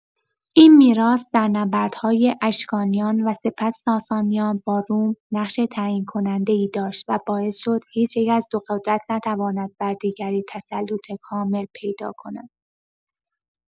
این میراث، در نبردهای اشکانیان و سپس ساسانیان با روم، نقش تعیین‌کننده‌ای داشت و باعث شد هیچ‌یک از دو قدرت نتواند بر دیگری تسلط کامل پیدا کند.